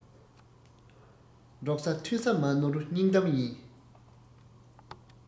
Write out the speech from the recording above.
འགྲོགས ས མཐུན ས མ ནོར སྙིང གཏམ ཡིན